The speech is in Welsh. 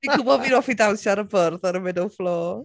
Ti'n gwybod fi'n hoffi dawnsio ar y bwrdd ar y middle floor.